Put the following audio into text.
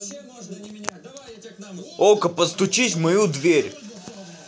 okko постучись в мою дверь